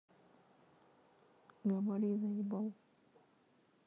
говори заебал